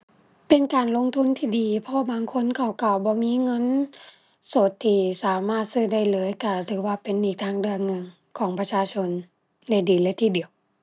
เป็นการลงทุนที่ดี เพราะว่าบางคนเขาก็บ่มีเงินสดที่สามารถซื้อได้เลย ก็ถือว่าเป็นอีกทางเลือกหนึ่งของประชาชนได้ดีเลยทีเดียว